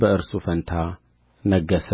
በእርሱ ፋንታ ነገሠ